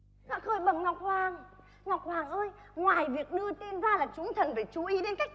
dạ khởi bẩm ngọc hoàng ngọc hoàng ơi ngoài việc đưa tin ra là chúng thần phải chú ý đến cách